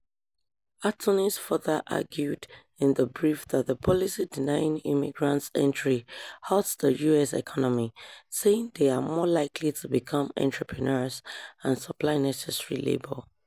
Attorneys further argued in the brief that the policy denying immigrants entry hurts the U.S. economy, saying they are more likely to become entrepreneurs and "supply necessary labor."